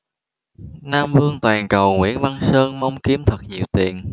nam vương toàn cầu nguyễn văn sơn mong kiếm thật nhiều tiền